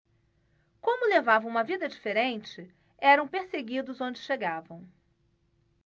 como levavam uma vida diferente eram perseguidos onde chegavam